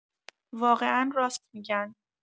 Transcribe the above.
واقعا راست می‌گن!